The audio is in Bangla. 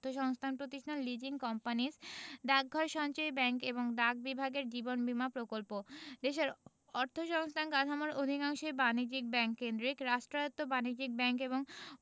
সংস্থান প্রতিষ্ঠান লিজিং কোম্পানিস ডাকঘর সঞ্চয়ী ব্যাংক এবং ডাক বিভাগের জীবন বীমা প্রকল্প দেশের অর্থসংস্থান কাঠামোর অধিকাংশই বাণিজ্যিক ব্যাংক কেন্দ্রিক রাষ্ট্রায়ত্ত বাণিজ্যিক ব্যাংক এবং